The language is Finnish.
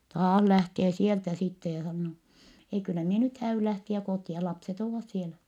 taas lähtee sieltä sitten ja sanoo ei kyllä minä nyt häädyn lähteä kotia lapset ovat siellä